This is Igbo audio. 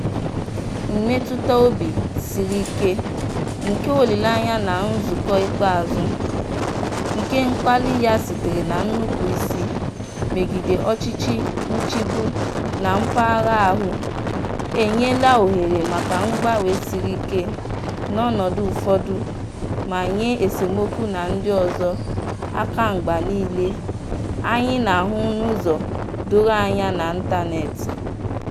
Mmetụta obi siri ike, nke olileanya na nzụkọ ikpeazụ, nke mkpali ya sitere na nnupụisi megide ọchịchị nchịgbu na mpaghara ahụ, enyela ohere maka mgbanwe siri ike n'ọnọdụ ụfọdụ ma nye esemokwu na ndị ọzọ, akamgba niile anyị na-ahụ n'ụzọ doro anya n'ịntaneetị.